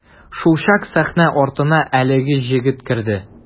Шулчак сәхнә артына әлеге җегет керде.